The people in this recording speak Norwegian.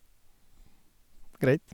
Greit.